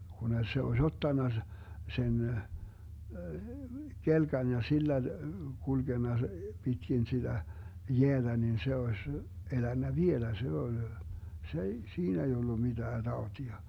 kun se olisi ottanut sen kelkan ja sillä kulkenut pitkin sitä jäätä niin se olisi elänyt vielä se oli se ei siinä ei ollut mitään tautia